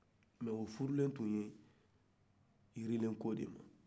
mai o furulen tun do yirilenko de ma